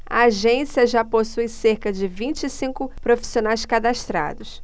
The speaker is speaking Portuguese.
a agência já possui cerca de vinte e cinco profissionais cadastrados